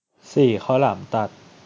สี่ข้าวหลามตัด